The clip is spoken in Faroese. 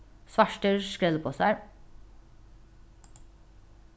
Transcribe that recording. svartir skrelliposar